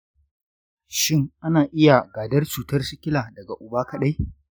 shin a na iya gadar cutar sikila daga uba kaɗai?